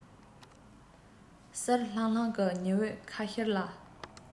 གསལ ལྷང ལྷང གི ཉི འོད ཁ ཤར ལ